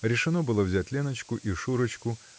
Решено было взять Леночку и Шурочку.